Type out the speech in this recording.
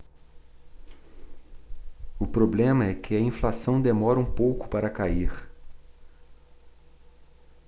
o problema é que a inflação demora um pouco para cair